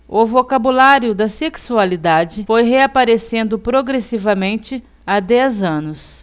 o vocabulário da sexualidade foi reaparecendo progressivamente há dez anos